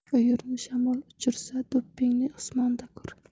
uyurni shamol uchirsa do'ppingni osmonda ko'r